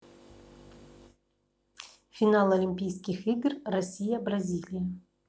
финал олимпийских игр россия бразилия